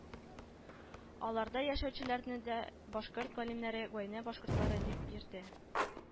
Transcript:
Аларда яшәүчеләрне дә башкорт галимнәре гайнә башкортлары дип йөртә